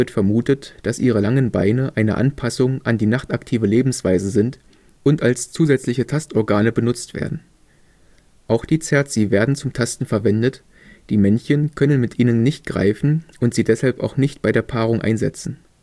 vermutet, dass ihre langen Beine eine Anpassung an die nachtaktive Lebensweise sind und als zusätzliche Tastorgane benutzt werden. Auch die Cerci werden zum Tasten verwendet, die Männchen können mit ihnen nicht greifen und sie deshalb auch nicht bei der Paarung einsetzen